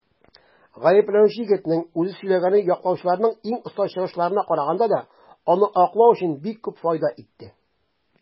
Гаепләнүче егетнең үзе сөйләгәне яклаучыларның иң оста чыгышларына караганда да аны аклау өчен бик күп файда итте.